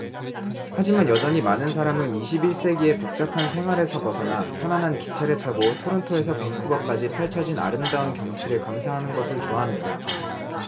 하지만 여전히 많은 사람은 이십 일 세기의 복잡한 생활에서 벗어나 편안한 기차를 타고 토론토에서 밴쿠버까지 펼쳐진 아름다운 경치를 감상하는 것을 좋아합니다